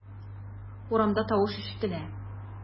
Урамда тавыш ишетелә.